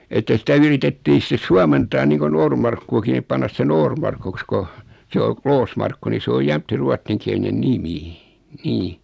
että sitä yritettiin sitten suomentaa niin kuin Noormarkkuakin niin panna se Noormarkuksi kun se on Kloosmarkku niin se on jämtti ruotsinkielinen nimi niin